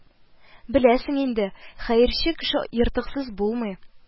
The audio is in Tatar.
Беләсең инде, хәерче кеше ертыксыз булмый